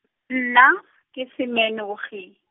nna, ke Semenogi.